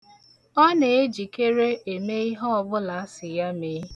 Ọ na-ejikere eme ihe ọbụla asị ya mee.